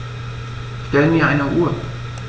Stell mir eine Uhr.